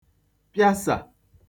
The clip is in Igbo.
pịasà